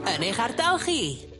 Yn eich ardal chi.